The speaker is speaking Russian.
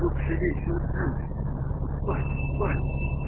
Лучше лечь и уснуть, спать, спать.